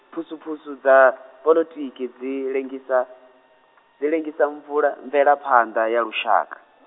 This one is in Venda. phusuphusu dza, polotiki dzi lengisa , dzi lengisa mvula mvelaphanḓa ya lushaka.